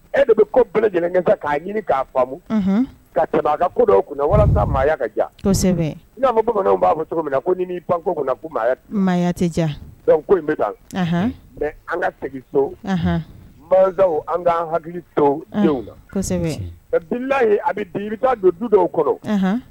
E de bɛ ko bɛɛ lajɛlen k'a ɲini k'a faamu ka tɛmɛ kodo kun walasaya ka ja n'a bamanan b'a cogo min na ko'i tɛ ja ko bɛ taa mɛ an ka segin so an ka hakili denw bɛ di i bɛ taa don duda kɔnɔ